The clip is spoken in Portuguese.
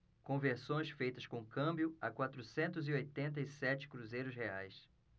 conversões feitas com câmbio a quatrocentos e oitenta e sete cruzeiros reais